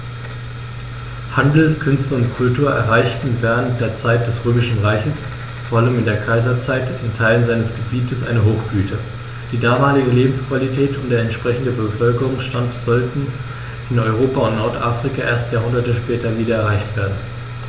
Handel, Künste und Kultur erreichten während der Zeit des Römischen Reiches, vor allem in der Kaiserzeit, in Teilen seines Gebietes eine Hochblüte, die damalige Lebensqualität und der entsprechende Bevölkerungsstand sollten in Europa und Nordafrika erst Jahrhunderte später wieder erreicht werden.